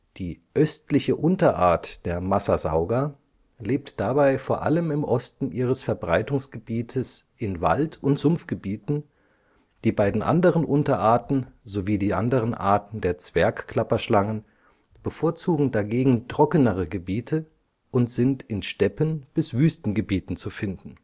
Die östliche Unterart der Massassauga (S. catenatus catenatus) lebt dabei vor allem im Osten ihres Verbreitungsgebietes in Wald - und Sumpfgebieten, die anderen beiden Unterarten sowie die anderen Arten der Zwergklapperschlangen bevorzugen dagegen trockenere Gebiete und sind in Steppen - bis Wüstengebieten zu finden